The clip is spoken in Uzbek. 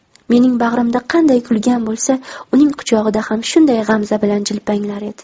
mening bag'rimda qanday kulgan bo'lsa uning quchog'ida ham shunday g'amza bilan jilpanglar edi